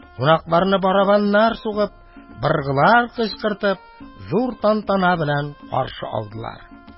Кунакларны барабаннар сугып, быргылар кычкыртып, зур тантана белән каршы алдылар.